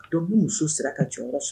Dɔnku muso sera a ka jɔyɔrɔ sɔrɔ